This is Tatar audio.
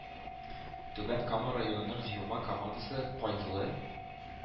Түбән Кама районының җыелма командасы Каенлы,